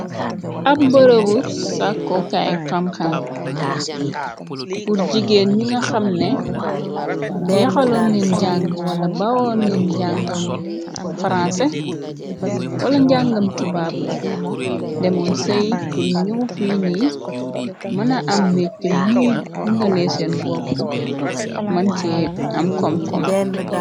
Ab bërëbu sàkkokaay xam-xam pur jigéen ñu nga xam ne jeexaloon neen jàng wala bawoon neen njàngam faransais wala njàngam tubaab demoon sëy bur ñëw fi ni mëna am mej ca muñuy gundalee seen boppu man ce am kom kom.